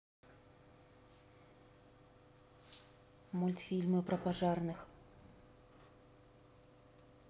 мультфильмы про пожарных